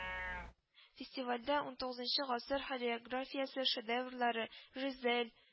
Фестивальдә унтугызынчы гасыр хореографиясе шедеврлары - Жизель